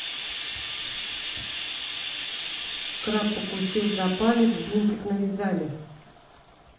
краб укусил за палец бинтик навязали